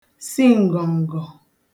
si ǹgọ̀ǹgọ̀